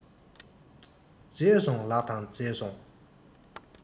མཛེས སོང ལགས དང མཛེས སོང